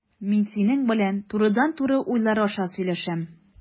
Мин синең белән турыдан-туры уйлар аша сөйләшәм.